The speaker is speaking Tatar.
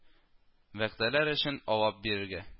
Вәгъдәләр өчен авап бирергә